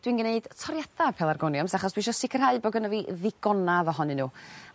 dwi'n gneud toriada pelargoniums achos dwi isio sicrhau bo' gynno fi ddigonadd ohonyn n'w.